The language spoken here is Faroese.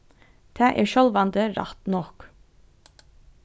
tað er sjálvandi rætt nokk